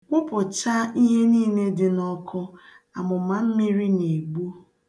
Kwụpụchaa ihe niile dị n'ọkụ, amụmammiri na-egbu.